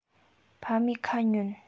ཕ མའི ཁ ལ ཉོན